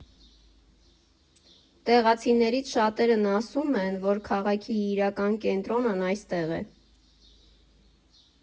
Տեղացիներից շատերն ասում են, որ քաղաքի իրական կենտրոնն այստեղ է։